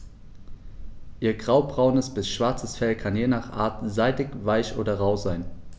Ihr graubraunes bis schwarzes Fell kann je nach Art seidig-weich oder rau sein.